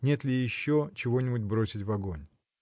нет ли еще чего-нибудь бросить в огонь.